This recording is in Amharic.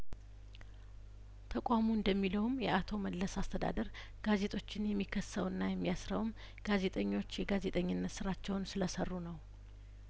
ተቋሙ እንደሚለውም የአቶ መለስ አስተዳደር ጋዜጦችን የሚከስሰውና የሚያስ ረውም ጋዜጠኞች የጋዜጠኝነት ስራቸውን ስለሰሩ ነው